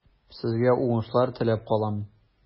Сезгә уңышлар теләп калам.